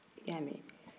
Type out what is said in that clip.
i y'a mɛn